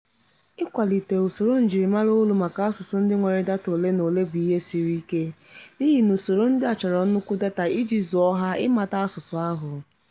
Ịkwalite usoro njirimara olu maka asụsụ ndị nwere data ole na ole bụ ihe siri ike, n'ihi na usoro ndị a chọrọ nnukwu data iji “zụ̀ọ́” ha ịmata asụsụ ahụ.